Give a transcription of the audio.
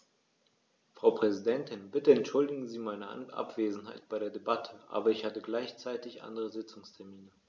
Frau Präsidentin, bitte entschuldigen Sie meine Abwesenheit bei der Debatte, aber ich hatte gleichzeitig andere Sitzungstermine.